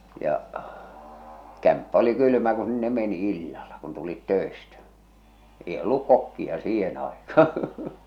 ja kämppä oli kylmä kun sinne meni illalla kun tulit töistä ei ollut kokkia siihen aikaan